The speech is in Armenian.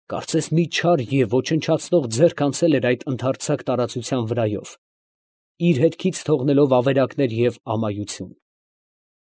Կարծես մի չար և ոչնչացնող ձեռք անցել էր այն ընդարձակ տարածության վրայով, իր հետքից թողնելով ավերակներ և ամայություն…։